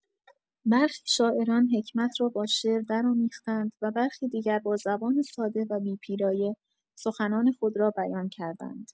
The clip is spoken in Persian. برخی شاعران حکمت را با شعر درآمیختند و برخی دیگر با زبان ساده و بی‌پیرایه، سخنان خود را بیان کردند.